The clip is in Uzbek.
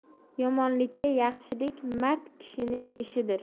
yomonlikka yaxshilik mard kishining ishidir